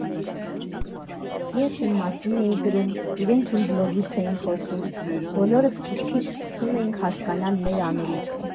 Ես իրենց մասին էի գրում, իրենք իմ բլոգից էին խոսում, բոլորս քիչ֊քիչ սկսում էինք հասկանալ մեր անելիքը։